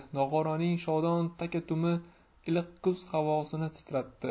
nog'oraning shodon taka tumi iliq kuz havosini titratdi